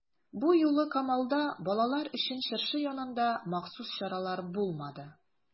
Бу юлы Камалда балалар өчен чыршы янында махсус чаралар булмады.